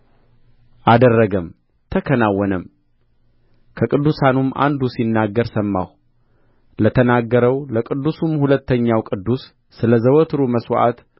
አደረገም ተከናወነም ከቅዱሳኑም አንዱ ሲናገር ሰማሁ ለተናገረው ለቅዱሱም ሁለተኛው ቅዱስ ስለ ዘወትሩ መሥዋዕት